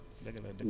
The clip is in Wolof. dëgg la dëgg